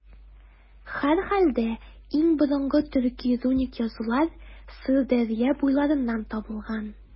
Һәрхәлдә, иң борынгы төрки руник язулар Сырдәрья буйларыннан табылган.